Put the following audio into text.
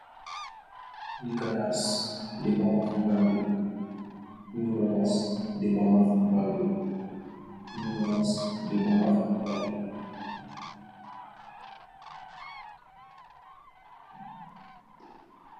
Nikulas di bamax bal bi.